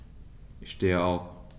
Ich stehe auf.